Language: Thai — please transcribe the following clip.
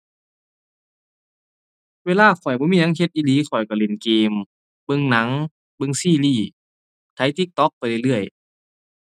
เวลาข้อยบ่มีหยังเฮ็ดอีหลี ข้อยก็เล่นเกม เบิ่งหนัง เบิ่งซีรีส์ ไถ TikTok ไปเรื่อยเรื่อย